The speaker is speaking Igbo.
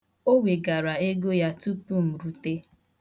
O wegara ego ya tupu m rute.